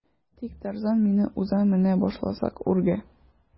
Тик Тарзан мине уза менә башласак үргә.